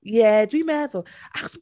Ie dwi'n meddwl. Achos...